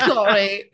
Sori.